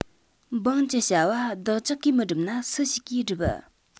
འབངས ཀྱི བྱ བ བདག ཅག གིས མི སྒྲུབ ན སུ ཞིག གིས སྒྲུབ